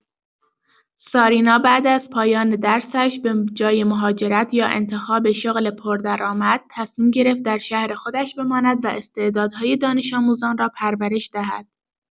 سارینا بعد از پایان درسش، به‌جای مهاجرت یا انتخاب شغل پردرآمد، تصمیم گرفت در شهر خودش بماند و استعدادهای دانش‌آموزان را پرورش دهد.